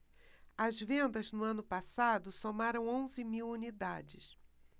as vendas no ano passado somaram onze mil unidades